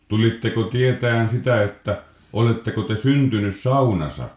tulitteko tietämään sitä että oletteko te syntynyt saunassa